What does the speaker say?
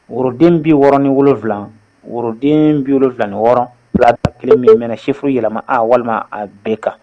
Woroden bɛ wɔɔrɔɔni wolonwula woroden bɛ wolonwulai wɔɔrɔ fila kelen min mɛn sef yɛlɛma aa walima a bɛɛ kan